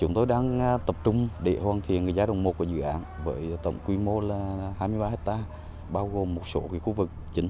chúng tôi đang tập trung để hoàn thiện giai đoạn một của dự án với tổng quy mô là hai mươi ba héc ta bao gồm một số khu vực chính